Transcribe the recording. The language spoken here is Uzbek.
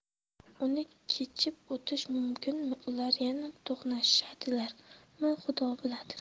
uni kechib o'tish mumkinmi ular yana to'qnashadilarmi xudo biladi